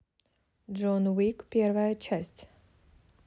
джон уик первая часть